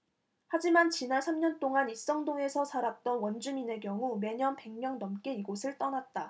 하지만 지난 삼 년동안 익선동에서 살았던 원주민의 경우 매년 백 명 넘게 이곳을 떠났다